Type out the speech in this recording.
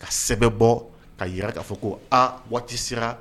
Ka sɛbɛn bɔ ka jira k'a fɔ ko aa waati sera